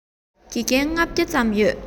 དགེ རྒན ༥༠༠ ཙམ ཡོད རེད